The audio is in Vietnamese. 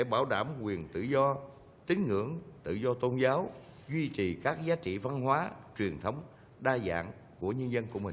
để bảo đảm quyền tự do tín ngưỡng tự do tôn giáo duy trì các giá trị văn hóa truyền thống đa dạng của nhân dân của mình